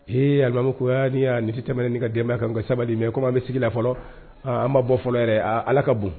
Ee a ko ni' nisi tɛmɛn ni ka dɛmɛbaya kan ka sabali di mɛn o komi an bɛ sigi la fɔlɔ an ma bɔ fɔlɔ yɛrɛ ala ka bon